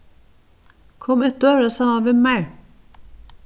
kom og et døgurða saman við mær